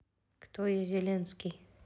кто я зеленский